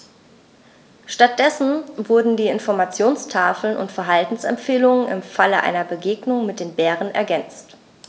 Stattdessen wurden die Informationstafeln um Verhaltensempfehlungen im Falle einer Begegnung mit dem Bären ergänzt.